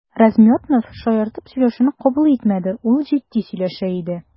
Размётнов шаяртып сөйләшүне кабул итмәде, ул җитди сөйләшә иде.